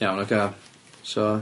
Iawn oce so.